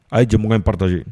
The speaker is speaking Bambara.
A' ye jɛmɔgɔ in partaz